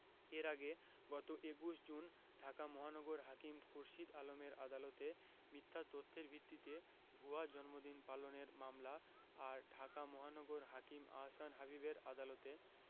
এর আগে গত ২১ জুন ঢাকা মহানগর হাকিম খুরশীদ আলমের আদালতে মিথ্যা তথ্যের ভিত্তিতে ভুয়া জন্মদিন পালনের মামলা আর ঢাকা মহানগর হাকিম আহসান হাবীবের আদালতে